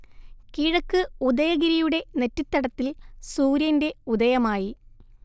കിഴക്ക് ഉദയഗിരിയുടെ നെറ്റിത്തടത്തിൽ സൂര്യന്റെ ഉദയമായി